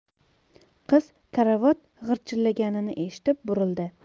qiz karavot g'irchillaganini eshitib burildi